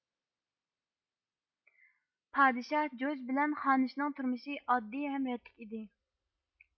پادىشاھ جوج بىلەن خانىشنىڭ تۇرمۇشى ئاددى ھەم رەتلىك ئىدى